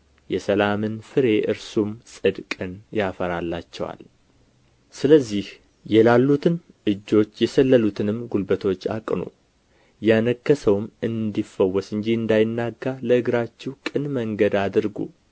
የሰላምን ፍሬ እርሱም ጽድቅን ያፈራላቸዋል ስለዚህ የላሉትን እጆች የሰለሉትንም ጉልበቶች አቅኑ ያነከሰውም እንዲፈወስ እንጂ እንዳይናጋ ለእግራችሁ ቅን መንገድ አድርጉ